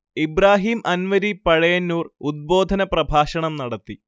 ഇബ്രാഹിം അൻവരി പഴയന്നൂർ ഉദ്ബോധന പ്രഭാഷണം നടത്തി